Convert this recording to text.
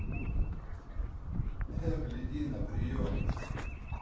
э блядина прием